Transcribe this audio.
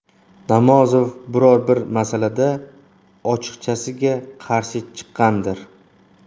namozov biron bir masalada ochiqchasiga qarshi chiqqandir